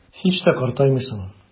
Һич тә картаймыйсың.